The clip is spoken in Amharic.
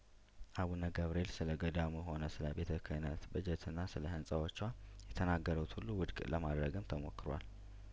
አቡነ ገብርኤል ስለገዳሙም ሆነ ስለቤተ ክህነት በጀትና ስለህንጻዎቿ የተናገሩት ሁሉ ውድቅ ለማድረግም ተሞክሯል